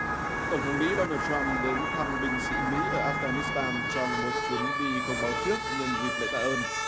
tổng thống mỹ đo nồ trăm đến thăm binh sĩ mỹ ở áp pha nít tan trong một chuyến đi không báo trước nhân dịp lễ tạ ơn